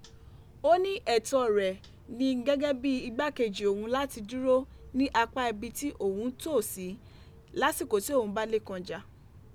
O ní ẹ̀tọ́ rẹ̀ ni gẹ́gẹ́ bi ìgbákejì òun láti dúro ni apá ibi ti òun tò si lásìkò ti òun bá Lékan jà.